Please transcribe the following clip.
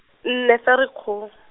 nne Ferikgong.